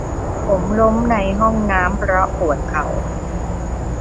ผมล้มในห้องน้ำเพราะปวดเข่า